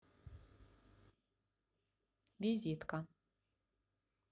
визитка